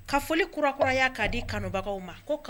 Ka foli kura kura y'a'a di kanubagaw ma